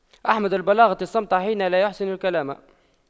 أحمد البلاغة الصمت حين لا يَحْسُنُ الكلام